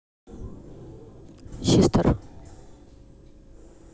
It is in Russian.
sister